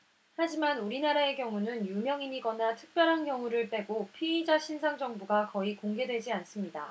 하지만 우리나라의 경우는 유명인이거나 특별한 경우를 빼고 피의자 신상 정보가 거의 공개되지 않습니다